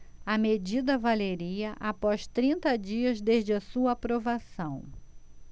a medida valeria após trinta dias desde a sua aprovação